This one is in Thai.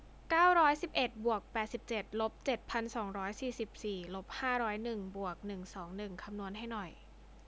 เก้าร้อยสิบเอ็ดบวกแปดสิบเจ็ดลบเจ็ดพันสองร้อยสี่สิบสี่ลบห้าร้อยหนึ่งบวกหนึ่งสองหนึ่งคำนวณให้หน่อย